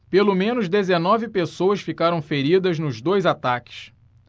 pelo menos dezenove pessoas ficaram feridas nos dois ataques